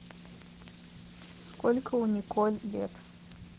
сколько у николь лет